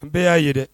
An bɛɛ y'a ye dɛ